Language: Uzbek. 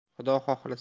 xudo xohlasa